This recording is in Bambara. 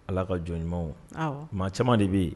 Ala ka jɔn ɲumanw maa caman de bɛ yen